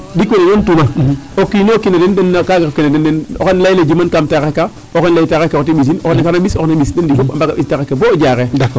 Ɗik wene yoontuuma o kiin o kiin na den ka jeg kene na den xan a layna jimbankaam a teex akaa o xene lay ee taxar ke xoti ɓisi oxene ɓis o xene ɓis a mbaag o ɓis taxar ke bo o Diarekh.